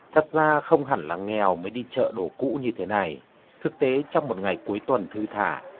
thật ra không hẳn là nghèo mới đi chợ đồ cũ như thế này thực tế trong một ngày cuối tuần thư thả